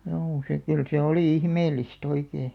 juu se kyllä se oli ihmeellistä oikein